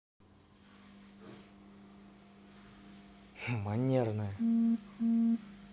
манерная